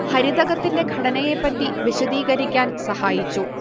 ഹരിതകത്തിന്റെ ഘടനയെ പറ്റി വിശദീകരിക്കാൻ സഹായിച്ചു